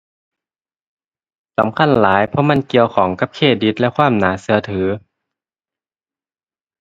สำคัญหลายเพราะมันเกี่ยวข้องกับเครดิตและความน่าเชื่อถือ